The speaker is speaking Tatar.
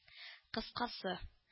Кыскасы